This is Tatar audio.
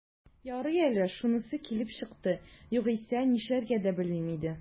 Ярый әле шунысы килеп чыкты, югыйсә, нишләргә дә белми идем...